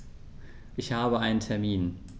Ich habe einen Termin.